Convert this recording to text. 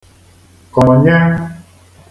-kọ̀nye